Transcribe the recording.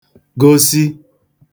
gosì